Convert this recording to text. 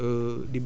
effetivement